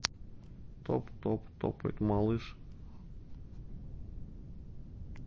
топ топ топает малыш